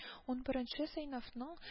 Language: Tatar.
Унберенче сыйныфның